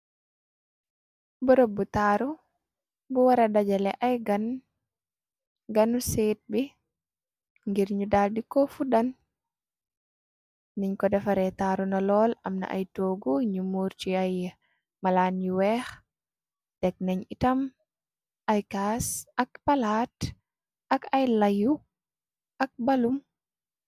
Bërëb bu taaru bu wara dajale ay gan gane seet bi ngir ñu dal di koo fuddan niñ ko defaree taaru na lool amna ay toogu ñu muor ci ay malaan yu weex tek nañ itam ay kaas ak palaat ak ay layu ak balum.